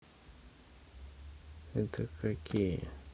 это какие